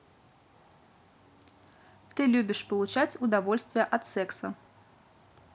ты любишь получать удовольствие от секса